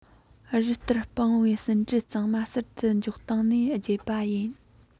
རི ལྟར སྤུངས བའི ཟིན བྲིས ཚང མ ཟུར དུ འཇོག སྟེང ནས བརྗེད པ ཡིན